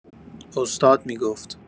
استاد می‌گفت.